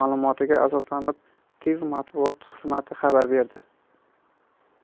ma'lumotiga asoslanib tiv matbuot xizmati xabar berdi